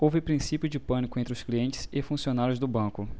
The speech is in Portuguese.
houve princípio de pânico entre os clientes e funcionários do banco